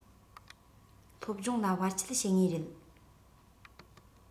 སློབ སྦྱོང ལ བར ཆད བྱེད ངེས རེད